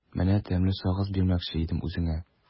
Менә тәмле сагыз бирмәкче идем үзеңә.